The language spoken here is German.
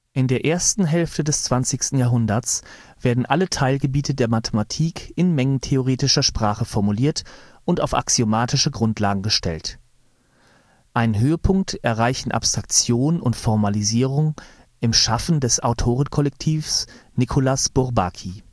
In der ersten Hälfte des 20. Jahrhunderts werden alle Teilgebiete der Mathematik in mengentheoretischer Sprache formuliert und auf axiomatische Grundlagen gestellt. Einen Höhepunkt erreichen Abstraktion und Formalisierung im Schaffen des Autorenkollektivs Nicolas Bourbaki